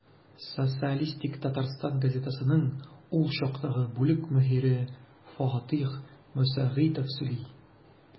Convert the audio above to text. «социалистик татарстан» газетасының ул чаклардагы бүлек мөдире фатыйх мөсәгыйтов сөйли.